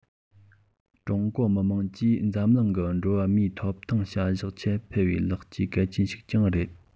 ཀྲུང གོ མི དམངས ཀྱིས འཛམ གླིང གི འགྲོ བའི མིའི ཐོབ ཐང བྱ གཞག ཆེད ཕུལ བའི ལེགས སྐྱེས གལ ཆེན ཞིག ཀྱང རེད